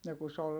no kun se oli